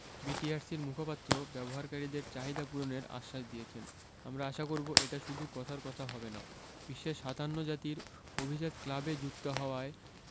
বিটিআরসির মুখপাত্র ব্যবহারকারীদের চাহিদা পূরণের আশ্বাস দিয়েছেন আমরা আশা করব এটা শুধু কথার কথা হবে না বিশ্বের ৫৭ জাতির অভিজাত ক্লাবে যুক্ত হওয়ায়